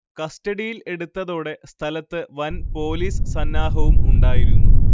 കസ്റ്റഡിയിൽ എടുത്തതോടെ സ്ഥലത്ത് വൻ പോലീസ് സന്നാഹവും ഉണ്ടായിരുന്നു